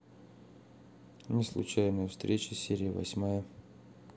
неслучайная встреча серия восемь